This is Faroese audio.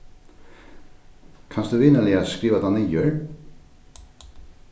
kanst tú vinarliga skriva tað niður